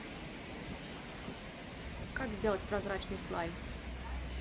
как сделать прозрачный слайм